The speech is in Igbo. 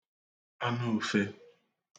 anuūfē